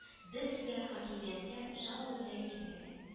Берсе дә хакимияткә жалоба белән килмәгән